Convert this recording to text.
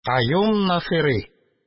Каюм Насыйри